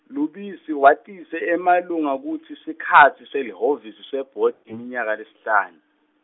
lubisi watise emalunga kutsi sikhatsi selihhovisi sebhodi iminyaka lesihlanu.